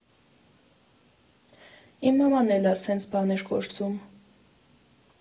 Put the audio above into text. Իմ մաման էլ ա սենց բաներ գործում։